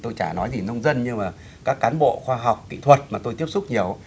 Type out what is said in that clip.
tôi chả nói gì nông dân và các cán bộ khoa học kỹ thuật mà tôi tiếp xúc nhiều